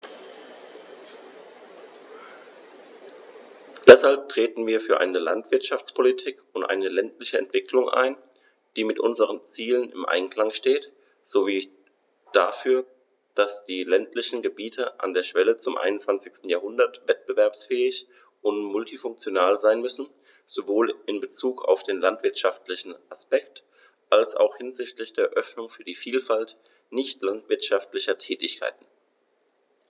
Deshalb treten wir für eine Landwirtschaftspolitik und eine ländliche Entwicklung ein, die mit unseren Zielen im Einklang steht, sowie dafür, dass die ländlichen Gebiete an der Schwelle zum 21. Jahrhundert wettbewerbsfähig und multifunktional sein müssen, sowohl in bezug auf den landwirtschaftlichen Aspekt als auch hinsichtlich der Öffnung für die Vielfalt nicht landwirtschaftlicher Tätigkeiten.